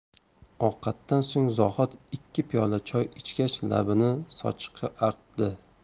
ovqatdan so'ng zohid ikki piyola choy ichgach labini sochiqqa artdi